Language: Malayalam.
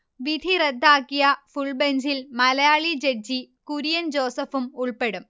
വിധി റദ്ദാക്കിയ ഫുൾബെഞ്ചിൽ മലയാളി ജഡ്ജി കുര്യൻ ജോസഫും ഉൾപ്പെടും